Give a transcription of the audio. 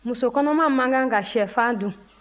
muso kɔnɔma man kan ka shɛfan dun